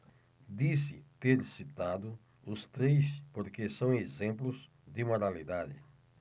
disse ter citado os três porque são exemplos de moralidade